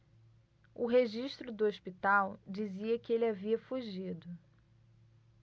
o registro do hospital dizia que ele havia fugido